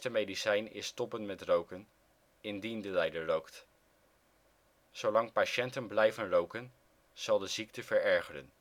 medicijn is stoppen met roken - indien de lijder rookt. Zolang patiënten blijven roken zal de ziekte verergeren